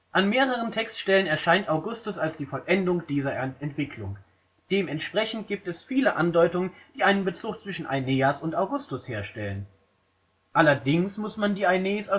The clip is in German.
An mehreren Textstellen erscheint Augustus als die Vollendung dieser Entwicklung. Dementsprechend gibt es viele Andeutungen, die einen Bezug zwischen Aeneas und Augustus herstellen. Allerdings muss man die Aeneis